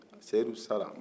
ko seyidu sara